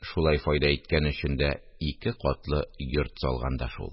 Шулай файда иткән өчен дә ике катлы йорт салган да шул